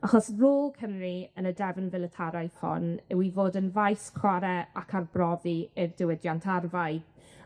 Achos rôl Cymru yn y drefn filitaraidd hon yw i fod yn faes chware ac arbrofi i'r diwydiant arfau.